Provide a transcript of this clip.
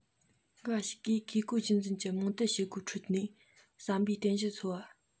འགའ ཞིག གིས བཀས བཀོད རྒྱུད འཛིན གྱི རྨོངས དད བྱེད སྒོའི ཁྲོད ནས བསམ པའི རྟེན གཞི འཚོལ བ